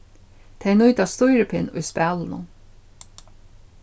tey nýta stýripinn í spælinum